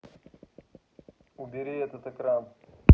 убери этот экран